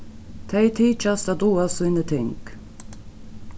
tey tykjast at duga síni ting